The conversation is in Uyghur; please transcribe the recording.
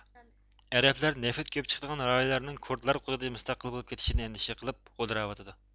ئەرەپلەر نېفىت كۆپ چىقىدىغان رايونلارنىڭ كۇرتلار قولىدا مۇستەقىل بولۇپ كېتىشىدىن ئەندىشە قىلىپ غودراۋاتىدۇ